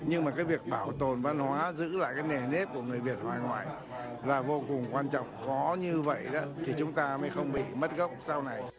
nhưng mặt khác việc bảo tồn văn hóa giữ lại cái nề nếp của người việt hải ngoại và vô cùng quan trọng có như vậy thì chúng ta mới không bị mất gốc sau này